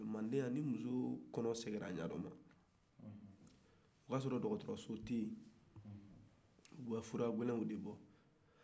mande yan ni muso kɔnɔ sera yɔrɔ do ma o waati ya sɔrɔ dɔgɔtɔrɔsɔ tɛ ye u bɛ fura gɛlɛnw de bɔ